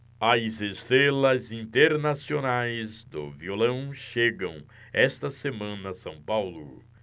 as estrelas internacionais do violão chegam esta semana a são paulo